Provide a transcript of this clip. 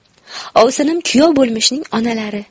ovsinim kuyov bo'lmishning onalari